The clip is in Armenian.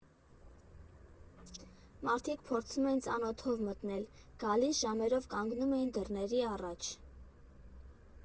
Մարդիկ փորձում էին ծանոթով մտնել, գալիս ժամերով կանգնում էին դռների առաջ։